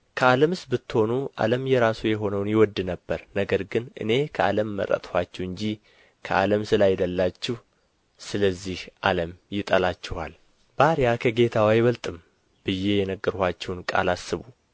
ከዓለምስ ብትሆኑ ዓለም የራሱ የሆነውን ይወድ ነበር ነገር ግን እኔ ከዓለም መረጥኋችሁ እንጂ ከዓለም ስለ አይደላችሁ ስለዚህ ዓለም ይጠላችኋል ባርያ ከጌታው አይበልጥም ብዬ የነገርኋችሁን ቃል አስቡ